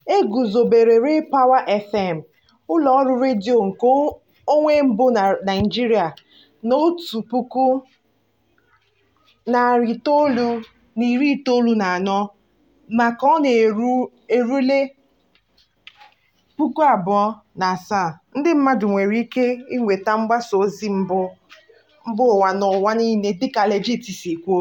E gụzọbere RayPower FM, ụlọ ọrụ redio nkeonwe mbụ na Naịjirịa, na 1994, ma ka ọ na-erule 2007, ndị mmadụ nwere ike ịnweta mgbasa ozi mba ụwa n'ụwa niile, dịka Legit si kwuo.